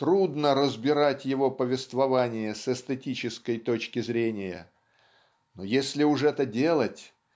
трудно разбирать его повествование с эстетической точки зрения. Но если уж это делать